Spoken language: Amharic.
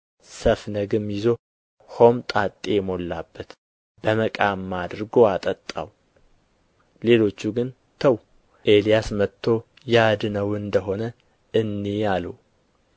ሰፍነግም ይዞ ሆምጣጤ ሞላበት በመቃም አድርጎ አጠጣው ሌሎቹ ግን ተው ኤልያስ መጥቶ ያድነው እንደ ሆነ እንይ አሉ